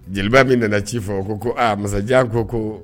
Jeliba min nana ci fɔ ko aa masajan ko ko